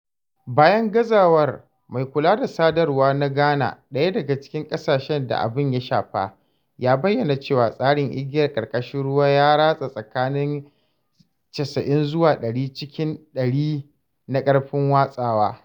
Bayan gazawar, mai kula da sadarwa na Ghana, ɗaya daga cikin ƙasashen da abin ya shafa, ya bayyana cewa tsarin igiyar karkashin ruwa ya rasa tsakanin 90 zuwa 100 cikin 100 na ƙarfin watsawa.